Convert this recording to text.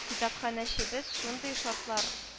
– китапханәчебез шундый шартлар